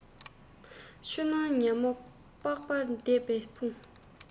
ཆུ ནང ཉ མོ སྤགས ལ དད པས ཕུང